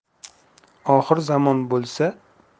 oxir zamon bo'lsa